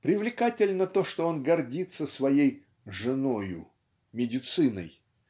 Привлекательно то, что он гордится своей "женою" медициной